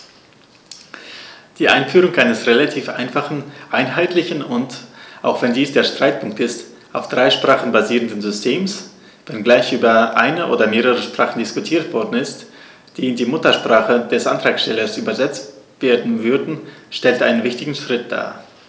Die Einführung eines relativ einfachen, einheitlichen und - auch wenn dies der Streitpunkt ist - auf drei Sprachen basierenden Systems, wenngleich über eine oder mehrere Sprachen diskutiert worden ist, die in die Muttersprache des Antragstellers übersetzt werden würden, stellt einen wichtigen Schritt dar.